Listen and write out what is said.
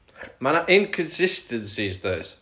Ma' 'na inconsistencies does